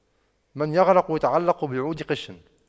من يغرق يتعلق بعود قش